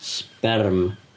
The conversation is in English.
Sperm...